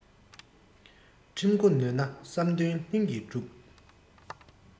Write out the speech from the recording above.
ཁྲིམས འགོ ནོན ན བསམ དོན ལྷུན གྱིས འགྲུབ